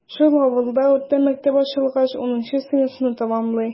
Шул авылда урта мәктәп ачылгач, унынчы сыйныфны тәмамлый.